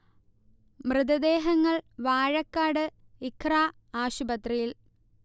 മൃതദേഹങ്ങൾ വാഴക്കാട് ഇഖ്റ ആശുപത്രിയിൽ